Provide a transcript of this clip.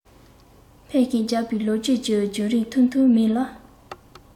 འཕེལ ཞིང རྒྱས པའི ལོ རྒྱུས ཀྱི རྒྱུད རིམ ཐུང ཐུང མིན ལ